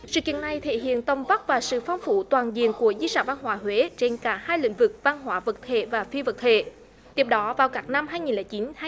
sự kiện này thể hiện tôn vóc và sự phong phú toàn diện của di sản văn hóa huế trên cả hai lĩnh vực văn hóa vật thể và phi vật thể tiếp đó vào các năm hai nghìn lẻ chín hai